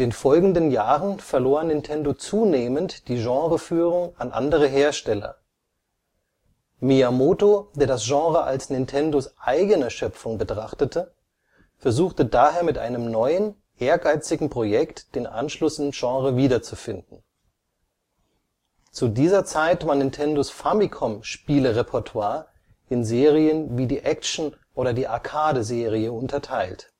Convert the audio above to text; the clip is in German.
folgenden Jahren verlor Nintendo zunehmend die Genreführung an andere Hersteller. Miyamoto, der das Genre als Nintendos eigene Schöpfung betrachtete, versuchte daher mit einem neuen, ehrgeizigen Projekt, den Anschluss im Genre wiederzufinden. Zu dieser Zeit war Nintendos Famicom-Spiele-Repertoire in Serien wie die Action - oder die Arcade-Serie unterteilt